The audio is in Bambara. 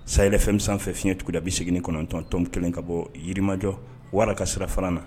Sahel IFM fiɲɛ tuguda 89.1 ka bɔ yirimajɔ wara ka sirafara la.